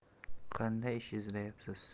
qanday ish izlayapsiz